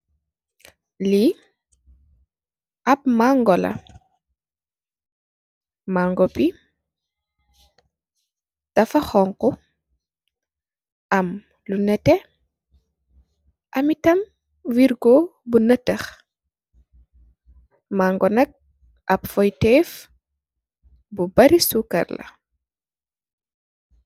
Li ap mango la, mango bi dafa xonxu am lu netteh am yitam wirgo bu natax. Mango nak ap faytèèf bu bari suukar la.